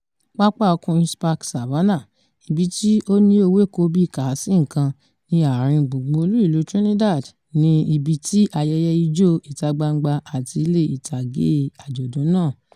Pápáa Queen's Park Savannah, ibi tí ó ní ewéko bíi kàá-sí-nǹkan ní àárín gbùngbùn olú ìlú Trinidad, ni ibi tí ayẹyẹ Ijó ìta-gbangba àti ilé ìtàgé àjọ̀dún náà.